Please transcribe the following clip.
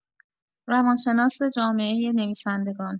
روانشناس جامعۀ نویسندگان